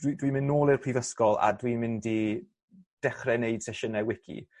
dwi dwi'n mynd nôl i'r prifysgol a dwi'n mynd i dechre neud sesiyne wici.